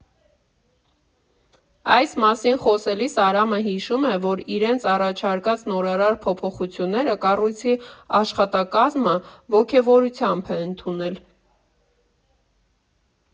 Այս մասին խոսելիս Արամը հիշում է, որ իրենց առաջարկած նորարար փոփոխությունները կառույցի աշխատակազմը ոգևորությամբ է ընդունել.